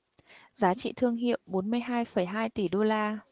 giá trị thương hiệu bốn mươi hai phẩy hai tỷ đô la